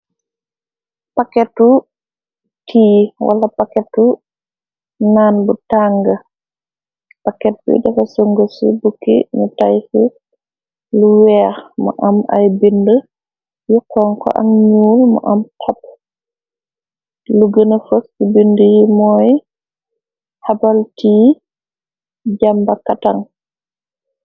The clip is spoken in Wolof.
Paketu tii wala pakketu naan bu tàng, paket biy defa sung ci bukki , nu tayfu lu weex, mu am ay bind yu xonko ak ñuul mu am tab lu gëna fost bind yi mooy habal tii jàmba katan.